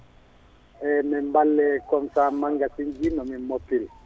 eyyi min balle comme ça magasin nomin moftiri